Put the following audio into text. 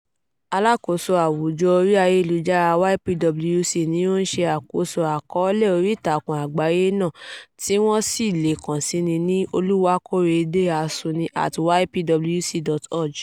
Alákòóso Àwùjọ orí Ayélujára YPWC ni ó ń ṣe àkóso Àkọọ́lẹ̀ oríìtakùn àgbáyé náà tí wọ́n sì le kàn síi ní Oluwakorede.Asuni@ypwc.org